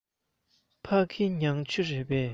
ཕ གི མྱང ཆུ རེད པས